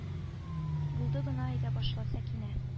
Булды гына әйдә башла сәкинә